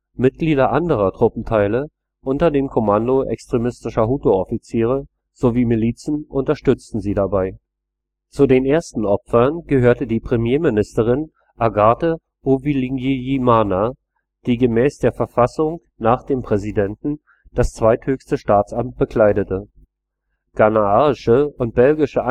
Mitglieder anderer Truppenteile unter dem Kommando extremistischer Hutu-Offiziere sowie Milizen unterstützen sie dabei. Zu den ersten Opfern gehörte Premierministerin Agathe Uwilingiyimana, die gemäß der Verfassung nach dem Präsidenten das zweithöchste Staatsamt bekleidete. Ghanaische und belgische